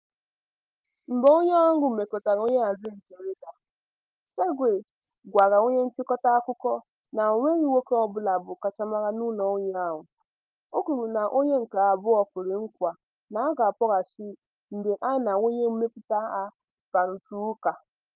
Mgbe onyeọrụ mmekọrịta ọhanaeze nke Reyder, Sergey, gwara onye nchịkọta akụkọ na onweghị nwoke ọbụla bụ ọkachamara n'ụlọọrụ ahụ, o kwuru, na onye nke abụọ kwere nkwa na ha ga-akpọghachi mgbe ha na onye mmepụta ha kparịtara ụka.